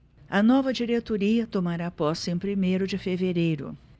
a nova diretoria tomará posse em primeiro de fevereiro